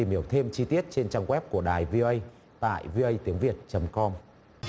tìm hiểu thêm chi tiết trên trang goét của đài vi ây tại vi ây tiếng việt chấm com